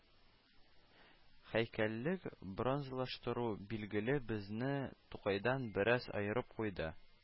Һәйкәллек, бронзалаштыру, билгеле, безне Тукайдан бераз аерып куйды